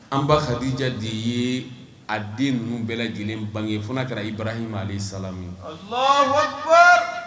An ba kadijadi ye a den ninnu bɛɛ lajɛlen bange fo'a kɛra i barahi ma sala